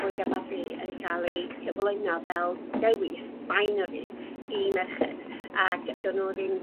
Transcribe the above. bwydio y babi yn ca'l ei cyflwyno fel dewis binary i merched ac 'dyn n'w ddim